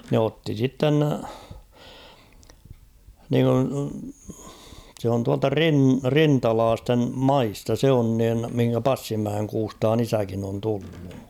ne otti sitten niin kuin se on tuolta - rintalaisten maista se on niin mihin Passinmäen Kuustaan isäkin on tullut